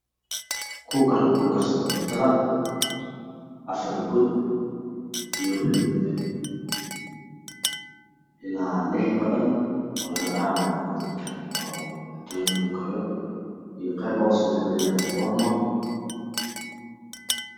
Kuukarka lagu karsado cuntada afar god iyo wuxuu leyahay ilaaa lix badhan oo laga daarayo godadka cuntooyinka lagu kariyo ilaa qeyb hoos foorno